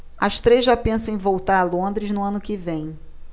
as três já pensam em voltar a londres no ano que vem